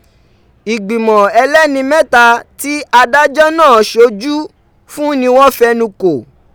Ìgbìmọ̀ ẹlẹ́ni mẹ́tà ti adájọ́ náà sojú fún ni wọ́n fẹnu kò.